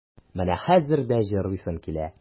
Менә хәзер дә җырлыйсым килә.